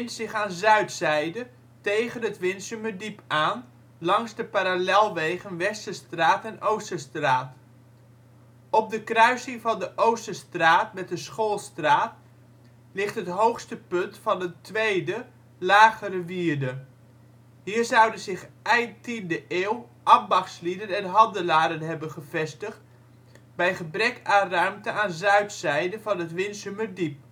zich aan zuidzijde, tegen het Winsumerdiep aan, langs de parallelwegen Westerstraat en Oosterstraat. Op de kruising van de Oosterstraat met de Schoolstraat ligt het hoogste punt van een tweede, lagere wierde. Hier zouden zich eind 10e eeuw ambachtslieden en handelaren hebben gevestigd bij gebrek aan ruimte aan zuidzijde van het Winsumerdiep